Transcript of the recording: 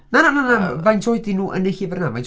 Na, na, na, na, faint oed ydyn nhw yn y llyfr yna?